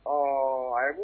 Ɔ ayi